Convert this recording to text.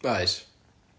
oes